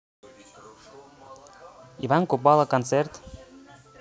иван купала концерт